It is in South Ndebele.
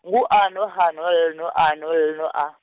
ngu A, no H, no L, no A, no L, no A.